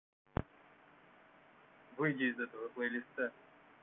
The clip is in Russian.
выйти из этого плейлиста